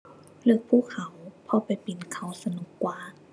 เลือกภูเขา เพราะไปปีนเขาสนุกกว่า